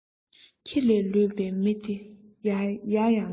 ཁྱི ལས ལོད པའི མི དེ ཡ ཡང ང